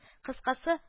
Кыскасы